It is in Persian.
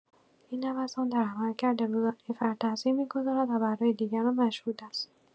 این نوسان در عملکرد روزانه فرد تآثیر می‌گذارد و برای دیگران مشهود است.